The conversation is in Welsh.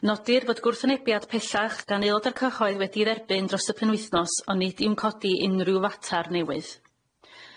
Nodir fod gwrthwynabiad pellach gan aelod o'r cyhoedd wedi'i dderbyn dros y penwythnos onid i'w godi unrhyw fatar newydd.